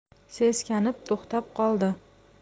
seskanib to'xtab qoldi